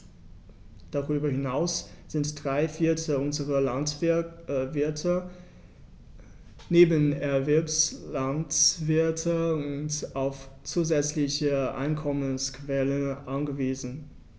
Darüber hinaus sind drei Viertel unserer Landwirte Nebenerwerbslandwirte und auf zusätzliche Einkommensquellen angewiesen.